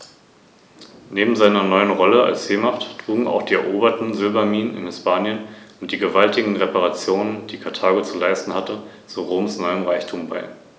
Die Flügelspannweite variiert zwischen 190 und 210 cm beim Männchen und zwischen 200 und 230 cm beim Weibchen.